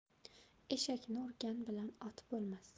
eshakni urgan bilan ot bo'lmas